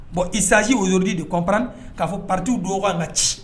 Bon isazali o y yɔrɔdi de kɔnpra k'a fɔ pati dɔw ka ci